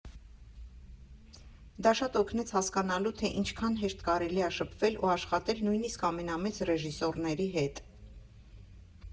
Դա շատ օգնեց հասկանալու, թե ինչքան հեշտ կարելի ա շփվել ու աշխատել նույնիսկ ամենամեծ ռեժիսորների հետ։